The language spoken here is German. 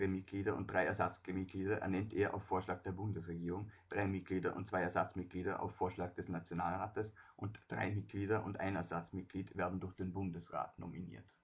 Mitglieder und drei Ersatzmitglieder ernennt er auf Vorschlag der Bundesregierung, drei Mitglieder und zwei Ersatzmitglieder auf Vorschlag des Nationalrates und drei Mitglieder und ein Ersatzmitglied werden durch den Bundesrat nominiert